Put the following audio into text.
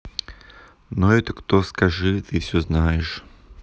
но это кто скажи ты все знаешь